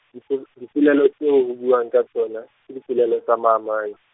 dipol-, dipolelo tseo ho buuwang ka tsona, ke dipolelo tsa maamai-.